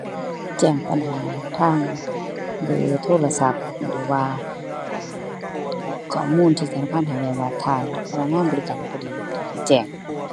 แจ้งปัญหาทางเบอร์โทรศัพท์ หรือว่า อ่า ข้อมูลที่ธนาคารให้ไว้ว่า ถ้าพนักงานบริการบ่ดี ก็ให้แจ้ง